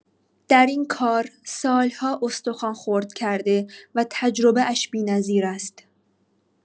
در این کار سال‌ها استخوان خرد کرده و تجربه‌اش بی‌نظیر است.